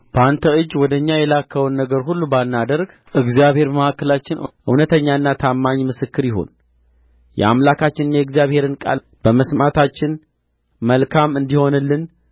በአንተ እጅ ወደ እኛ የላከውን ነገር ሁሉ ባናደርግ እግዚአብሔር በመካከላችን እውነተኛና ታማኝ ምስክር ይሁን የአምላካችንን የእግዚአብሔርን ቃል በመስማታችን መልካም እንዲሆንልን